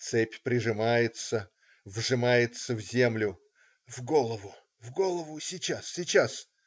Цепь прижимается, вжимается в землю, "в голову, в голову, сейчас, сейчас. ".